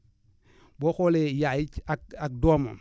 boo xoolee yaay ak ak doomam